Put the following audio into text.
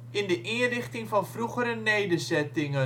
in de inrichting van vroegere nederzetting